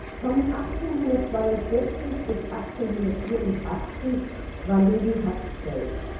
Von 1842 bis 1884 war Levi Herzfeld